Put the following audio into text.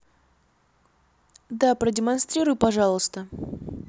да продемонстрируй пожалуйста